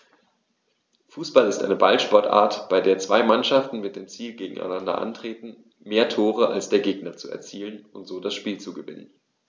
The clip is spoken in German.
Fußball ist eine Ballsportart, bei der zwei Mannschaften mit dem Ziel gegeneinander antreten, mehr Tore als der Gegner zu erzielen und so das Spiel zu gewinnen.